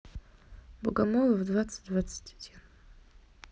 богомолов двадцать двадцать один